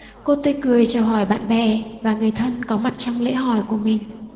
cô tươi cười chào hỏi bạn bè và người thân có mặt trong lễ hỏi của mình